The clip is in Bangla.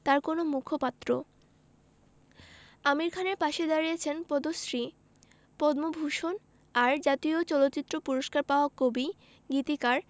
তাঁর কোনো মুখপাত্র আমির খানের পাশে দাঁড়িয়েছেন পদ্মশ্রী পদ্মভূষণ আর জাতীয় চলচ্চিত্র পুরস্কার পাওয়া কবি গীতিকার